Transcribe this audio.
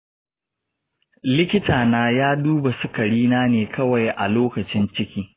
likitana ya duba sukari na ne kawai a lokacin ciki.